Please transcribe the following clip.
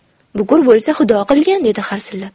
bukur bo'lsa xudo qilgan dedi harsillab